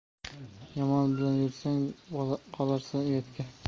yomon bilan yursang qolarsan uyatga